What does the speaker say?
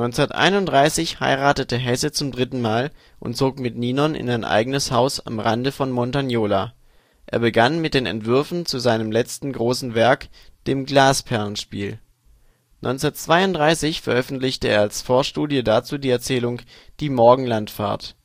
1931 heiratete Hesse zum dritten Mal und zog mit Ninon in ein eigenes Haus am Rande von Montagnola. Er begann mit den Entwürfen zu seinem letzten großen Werk, dem " Glasperlenspiel ". 1932 veröffentlichte er als Vorstudie dazu die Erzählung " Die Morgenlandfahrt